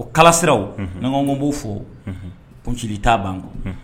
O kalasiraw, unhun, n'a ko an b'o fɔ, unhun, kuncili t'a ban quoi